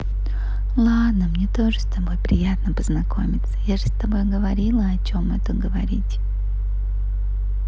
ладно мне тоже с тобой приятно познакомиться я же с тобой говорила о чем это говорить